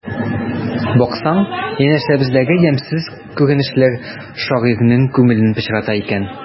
Баксаң, янәшәбездәге ямьсез күренешләр шагыйрьнең күңелен пычрата икән.